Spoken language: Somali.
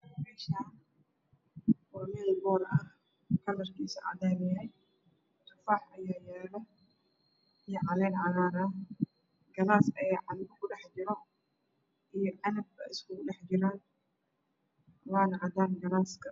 Meeshaan waa boor ah kalarkiisu cadaan yahay. Tufaax ayaa yaalo iyo caleen cagaar ah galaas ayaa caag kudhex jiro iyo canab. Waana cadaan galaaska.